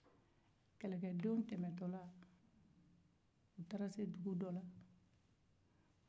kɛlɛkɛdenw tɛmɛtɔ u taara se dugu dɔ la